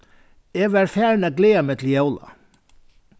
eg var farin at gleða meg til jóla